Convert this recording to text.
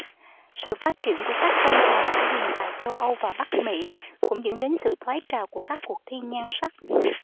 sự phát triển của các phong trào nữ quyền tại châu âu và bắc mỹ cũng dẫn đến sự thoái trào của các cuộc thi nhan sắc